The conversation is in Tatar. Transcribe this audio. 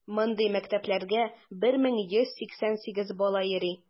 Мондый мәктәпләргә 1188 бала йөри.